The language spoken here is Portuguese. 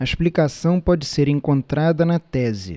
a explicação pode ser encontrada na tese